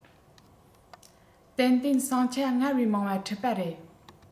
ཏན ཏན ཟིང ཆ སྔར བས མང བ འཕྲད པ རེད